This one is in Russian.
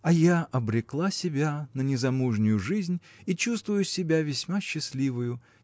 А я обрекла себя на незамужнюю жизнь и чувствую себя весьма счастливою